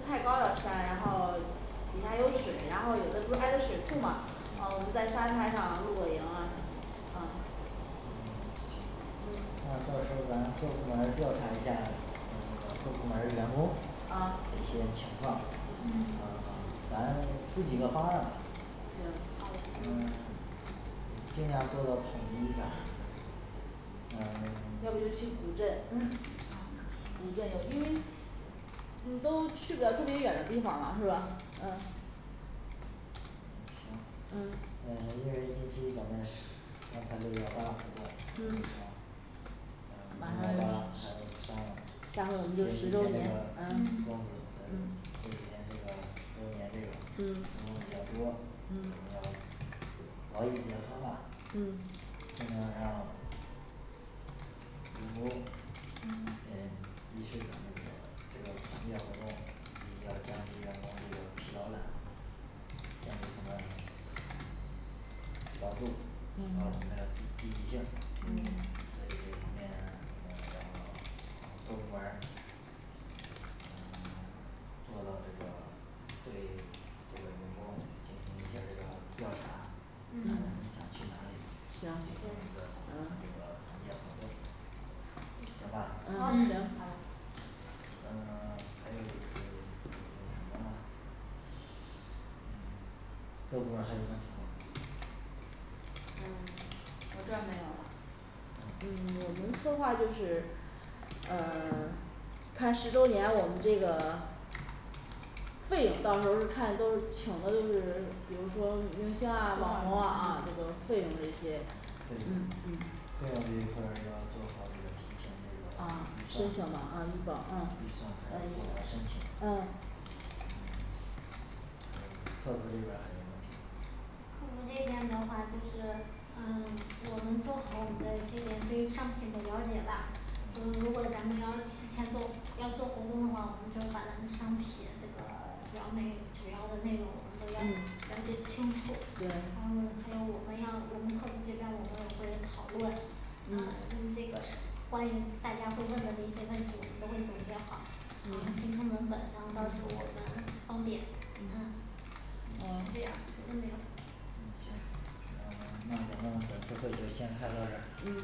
不太高的山然后 我们还有水然后有的不是挨着水库吗？然后我们在沙滩上露个营啊什么的嗯嗯行那到时嗯候咱各部门儿调查一下这个各部门儿员工一些啊情况嗯 好嗯咱出几个方案行嗯好 尽量做到统一点儿嗯要不就去 古镇 古镇啊有因为你都 去不了特别远的地方儿了是吧？嗯嗯行嗯嗯 因为近期咱们是要开六幺八活动马嗯上嗯 六幺八马还有上上要提加上我们这个十前这周个年嗯 嗯嗯十嗯周年这个 十周年这个活动比嗯较多我们要嗯劳逸结合吧嗯尽量让员工嗯嗯一是咱们这个这个团建建所以要降低员工这个疲劳感再一个劳动把我们嗯的积极性嗯在这个方面咱们要 嗯各部门儿嗯 做到这个对 这个员工进行一下儿这个调查看他们想去哪里嗯嗯进行一个我们行行这个团建活动嗯行好行的吧嗯嗯嗯 还有一个是考虑什么各部门儿还有问题吗嗯 我这儿没有啦嗯我嗯们策划就是呃 开十周年我们这个 费用到时候儿是看说是请的就是比如说明星啊网红啊啊这个费用这些费嗯嗯用费用这一块儿要做好这个平平日的啊预算申预请算吗啊预报嗯还有这个申请嗯嗯这个 客服这边儿还有问题吗客服这边的话就是嗯 我们做好我们这边对于商品的了解吧就说如果咱们要提前做要做活动的话，我们就把咱们商品那个 主要内容主要的内容我们都要了嗯解清楚嗯对还有我们要我们客服这边儿我们也会讨论呃那嗯个啥 关于大家会问的那些问题，我们都会总结好嗯形成文本嗯然后到时候我们 方便嗯哦这样别的没有儿了嗯行那 那咱们本次会议就先开到这嗯儿